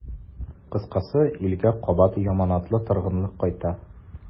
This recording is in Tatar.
Кыскасы, илгә кабат яманатлы торгынлык кайта.